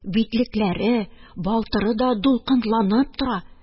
Битлекләре, балтыры да дулкынланып тора